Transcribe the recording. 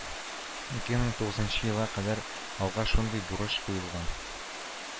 Ике мең тугызынчы елга кадәр алга шундый бурыч куелган